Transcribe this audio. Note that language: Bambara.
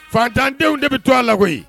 Fatandenw de bɛ to a la koyi